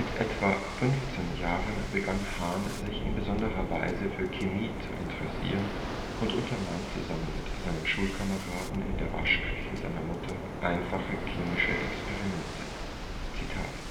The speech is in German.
etwa 15 Jahren begann Hahn sich in besonderer Weise für Chemie zu interessieren und unternahm zusammen mit einem Schulkameraden in der Waschküche seiner Mutter einfache chemische Experimente. „ Ich